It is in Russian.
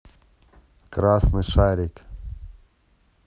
красный шарик